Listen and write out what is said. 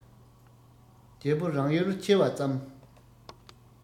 རྒྱལ པོ རང ཡུལ ཆེ བ ཙམ